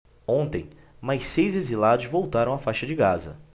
ontem mais seis exilados voltaram à faixa de gaza